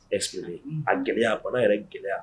a gɛlɛya bana yɛrɛ gɛlɛya